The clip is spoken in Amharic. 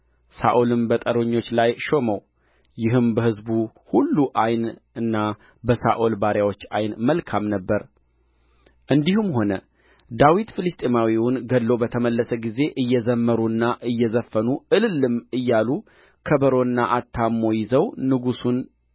ሳኦልም በጦረኞች ላይ ሾመው ይህም በሕዝብ ሁሉ ዓይን እና በሳኦል ባሪያዎች ዓይን መልካም ነበረ እንዲህም ሆነ ዳዊት ፍልስጥኤማዊውን ገድሎ በተመለሰ ጊዜ እየዘመሩና እየዘፈኑ እልልም እያሉ ከበሮና አታሞ ይዘው ንጉሡን